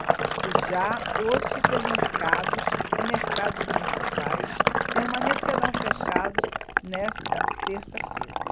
já os supermercados e mercados municipais permanecerão fechados nesta terça-feira